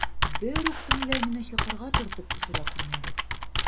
Берүк төнлә мине чокырга төртеп төшерә күрмәгез.